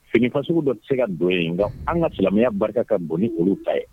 Segi fasugu dɔ be se ka don yen nka an' ka silamɛya barika ka bon ni olu ta ye